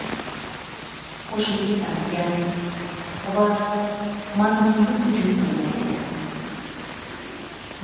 qo'shiniga talatgan va marg'ilonga hujum qilgan edi